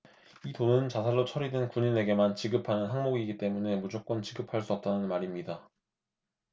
이 돈은 자살로 처리된 군인에게만 지급하는 항목이기 때문에 무조건 지급할 수 없다는 말입니다